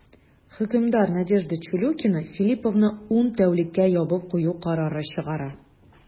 Хөкемдар Надежда Чулюкина Филлиповны ун тәүлеккә ябып кую карары чыгара.